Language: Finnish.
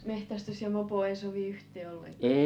metsästys ja mopo ei sovi yhteen ollenkaan